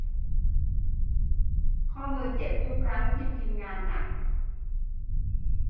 ข้อมือเจ็บทุกครั้งที่พิมพ์งานหนัก